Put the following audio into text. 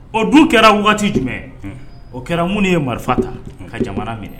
Ɔ dun kɛra waati jumɛn o kɛra mununi ye marifa ta ka jamana minɛ